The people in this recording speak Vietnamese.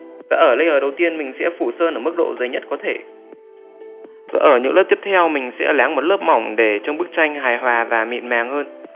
và ở layer đầu tiên minh sẽ phủ sơn ở mức độ dày nhất có thể ở những lớp tiếp theo mình sẽ láng một lớp mỏng để bức tranh trông hài hòa và mịn màng hơn ở những lớp tiếp theo mình sẽ láng một lớp mỏng để bức tranh trông hài hòa và mịn màng hơn